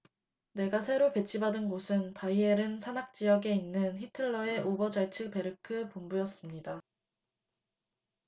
내가 새로 배치받은 곳은 바이에른 산악 지역에 있는 히틀러의 오버잘츠베르크 본부였습니다